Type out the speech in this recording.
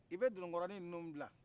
i bɛ dundunkɔrɔnin nunu bila